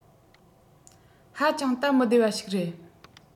ཧ ཅང སྟབས མི བདེ བ ཞིག རེད